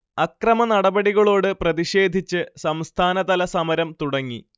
അക്രമനടപടികളോട് പ്രതിഷേധിച്ച് സംസ്ഥാനതല സമരം തുടങ്ങി